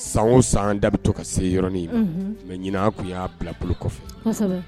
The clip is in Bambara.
San o san an da bɛ to ka se yɔrɔnin ma, unhun, mais ɲɛnɛ a' tun y'a bila bolokɔfɛ, kosɛbɛ